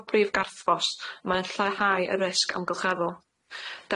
o brif garthbos mae'n lleihau y risg amgylcheddol.